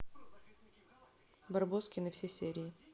барбоскины все серии